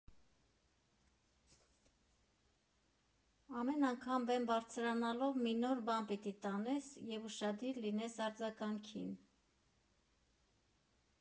Ամեն անգամ բեմ բարձրանալով մի նոր բան պիտի տանես և ուշադիր լինես արձագանքին։